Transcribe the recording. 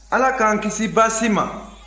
ala k'an kisi baasi ma